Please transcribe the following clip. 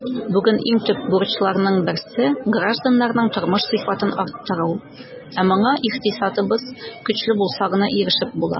Бүген иң төп бурычларның берсе - гражданнарның тормыш сыйфатын арттыру, ә моңа икътисадыбыз көчле булса гына ирешеп була.